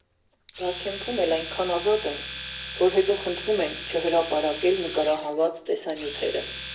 Բարքեմփում էլ այնքան ազատ են, որ հետո խնդրում ենք չհրապարակել նկարահանված տեսանյութերը։